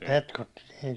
petkutti niin